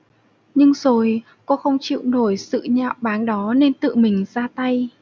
nhưng rồi cô không chịu nổi sự nhạo báng đó nên tự mình ra tay